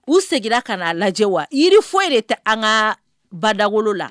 U seginna ka'a lajɛ wa yirifɔ de tɛ an ka bada wolo la